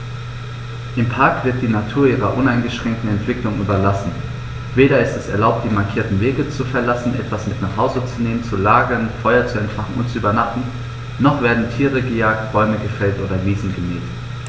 Im Park wird die Natur ihrer uneingeschränkten Entwicklung überlassen; weder ist es erlaubt, die markierten Wege zu verlassen, etwas mit nach Hause zu nehmen, zu lagern, Feuer zu entfachen und zu übernachten, noch werden Tiere gejagt, Bäume gefällt oder Wiesen gemäht.